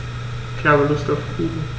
Ich habe Lust auf Kuchen.